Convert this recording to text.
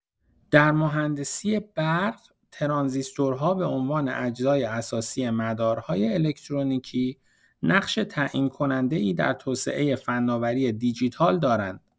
در مهندسی برق، ترانزیستورها به‌عنوان اجزای اساسی مدارهای الکترونیکی، نقش تعیین‌کننده‌ای در توسعه فناوری دیجیتال دارند.